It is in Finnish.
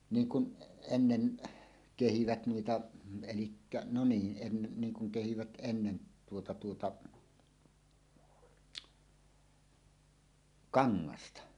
niin kuin ennen kehivät noita eli no niin ennen niin kuin kehivät ennen tuota tuota kangasta